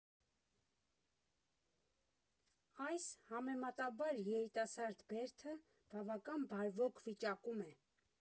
Այս՝ համեմատաբար երիտասարդ բերդը բավական բարվոք վիճակում է.